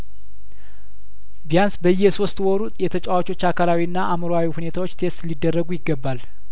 ቢያንስ በየሶስት ወሩ የተጫዋቾች አካላዊና አእምሮአዊ ሁኔታዎች ቴስት ሊደረጉ ይገባል